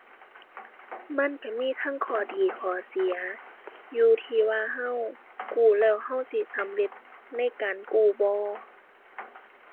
มันก็มีทั้งข้อดี ข้อเสีย อยู่ที่ว่าก็กู้แล้วก็สิสำเร็จในการกู้บ่